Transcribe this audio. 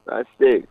Pa se